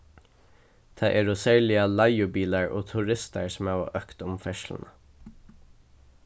tað eru serliga leigubilar og turistar sum hava økt um ferðsluna